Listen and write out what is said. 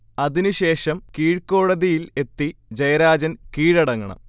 അതിന് ശേഷം കീഴ്കോടതിയിൽ എത്തി ജയരാജൻ കീഴടങ്ങണം